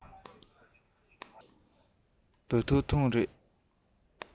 བོད ཐུག མཆོད ཀྱི རེད